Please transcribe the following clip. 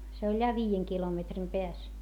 se oli ja viiden kilometrin päässä